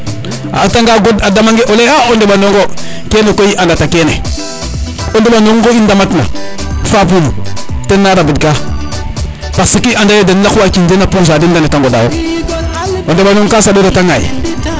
a ata nga god a dama nge o leye a ndeɓanong o kene koy i anda ta kene ndeɓanong oxu i ndamat na fapum tena rabid ka parce que i anda ye den laqwu a ciiñ den a pusa den de ndeta ngodayo o ndeɓanong ka reta saɗa ŋaay